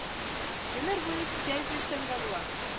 Гомер буе күтәреп йөрсәң дә була